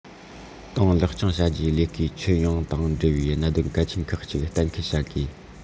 ཏང ལེགས སྐྱོང བྱ རྒྱུའི ལས ཀའི ཁྱོན ཡོངས དང འབྲེལ བའི གནད དོན གལ ཆེན ཁག ཅིག གཏན འཁེལ བྱ དགོས